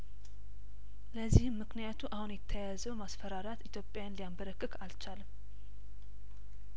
ለዚህም ምክንያቱ አሁን የተያዘው ማስፈራራት ኢትዮጵያን ሊያንበረክክ አልቻለም